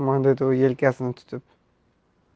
dedi u yelkasini tutib